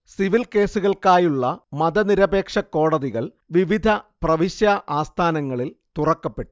civil കേസുകൾക്കായുള്ള മതനിരപേക്ഷകോടതികൾ വിവിധ പ്രവിശ്യ ആസ്ഥാനങ്ങളിൽ തുറക്കപ്പെട്ടു